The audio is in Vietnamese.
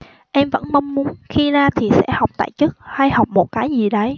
em vẫn mong muốn khi ra thì sẽ học tại chức hay học một cái gì đấy